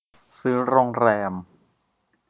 ซื้อโรงแรม